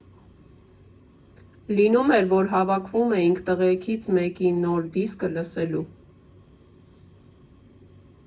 Լինում էր, որ հավաքվում էինք տղեքից մեկի նոր դիսկը լսելու։